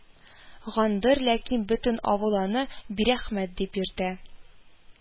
Гандыр, ләкин бөтен авыл аны «бирәхмәт» дип йөртә